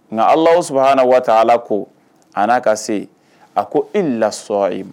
Nka ala saba waati ala ko a n'a ka se a ko e lasɔ e ma